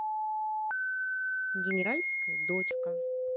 генеральская дочка